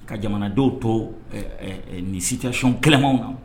Ka jamana dɔw to nin si tɛcon kɛlɛmanw kan